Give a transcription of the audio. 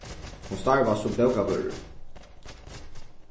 hon starvast sum bókavørður